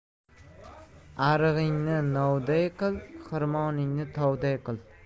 arig'ingni novday qil xirmoningni tovday qil